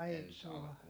ensi alkuun